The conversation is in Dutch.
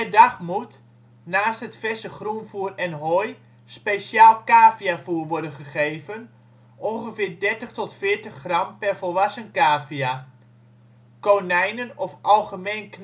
dag moet, naast het verse groenvoer en hooi, speciaal caviavoer worden gegeven (ongeveer 30-40 gram per volwassen cavia). Konijnen - of algemeen